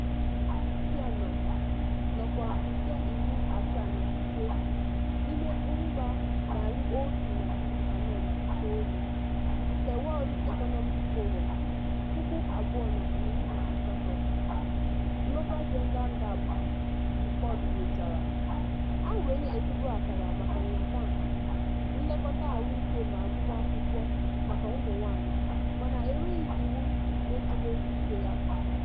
Russia nọ n'ọkwá nke 75 n'ime mba 149 nke World Economic Forum 2018 Global Gender Gap Report nyochara, ha nwere ezigbo akara maka nhatanha nlekọta ahụike na agụmakwụkwọ maka ụmụnwaanyị, mana enweghị iwu na-echebe ikike ha.